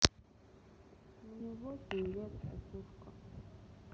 мне восемь лет кукушка